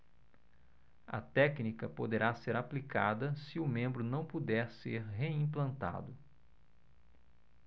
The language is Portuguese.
a técnica poderá ser aplicada se o membro não puder ser reimplantado